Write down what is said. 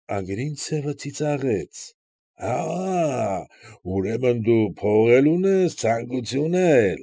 Ագրինցևը ծիծաղեց։ ֊ Աա՛, ուրեմն դու փող էլ ունիս, ցանկության էլ։